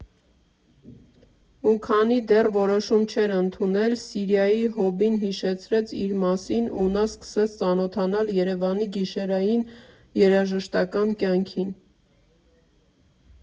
Ու քանի դեռ որոշում չէր ընդունել, Սիրիայի հոբբին հիշեցրեց իր մասին ու նա սկսեց ծանոթանալ Երևանի գիշերային երաժշտական կյանքին։